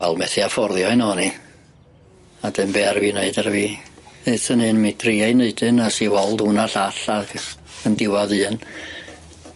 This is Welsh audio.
Wel methu a fforddio hyn o'n i. A dim by' aru fi neud aru fi. Neuthon hyn mi driai neud hyn a es i weld 'wn a llall ag ys yn diwadd un.